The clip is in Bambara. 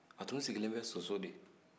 a tun sigilen bɛ soso de